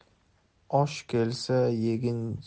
osh kelsa yegin